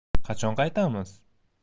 qachon qaytamiz